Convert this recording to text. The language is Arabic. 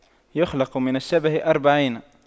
يخلق من الشبه أربعين